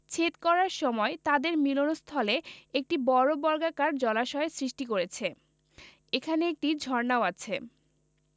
ছেদ করার সময় তাদের মিলনস্থলে একটি বড় বর্গাকার জলাশয়ের সৃষ্টি করেছে এখানে একটি ঝর্ণাও আছে